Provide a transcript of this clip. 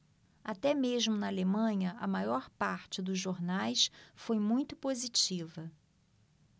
até mesmo na alemanha a maior parte dos jornais foi muito positiva